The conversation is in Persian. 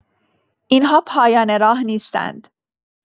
این‌ها پایان راه نیستند.